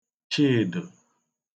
chidə̣̀